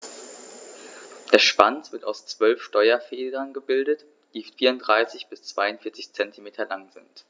Der Schwanz wird aus 12 Steuerfedern gebildet, die 34 bis 42 cm lang sind.